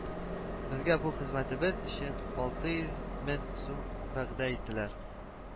Безгә бу хезмәтебез өчен алты йөз мең сум вәгъдә иттеләр